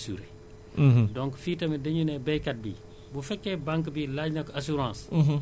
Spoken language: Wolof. donc am na yenn banques yuy addu surtout dans la vallée ñoom balaa ñu jox la crédit da ngay assurer